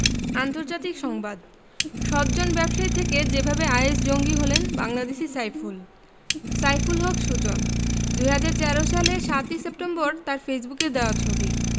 আন্তর্জাতিক সংবাদ সজ্জন ব্যবসায়ী থেকে যেভাবে আইএস জঙ্গি হলেন বাংলাদেশি সাইফুল সাইফুল হক সুজন ২০১৩ সালের ৭ই সেপ্টেম্বর তাঁর ফেসবুকে দেওয়া ছবি